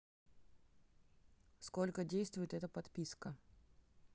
сколько действует эта подписка